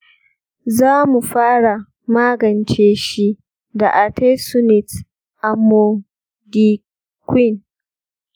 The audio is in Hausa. za mu fara magance shi da artesunate‑amodiaquine.